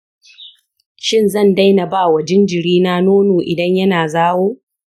shin zan daina ba wa jinjirina nono idan yana zawo?